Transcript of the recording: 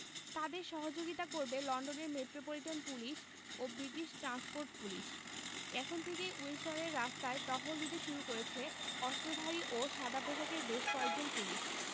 তাঁদের সহযোগিতা করবে লন্ডনের মেট্রোপলিটন পুলিশ ও ব্রিটিশ ট্রান্সপোর্ট পুলিশ এখন থেকেই উইন্ডসরের রাস্তায় টহল দিতে শুরু করেছে অস্ত্রধারী ও সাদাপোশাকের বেশ কয়েকজন পুলিশ